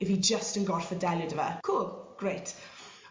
'yf fi jyst yn gorffod deilio 'dy fe cŵl grêt.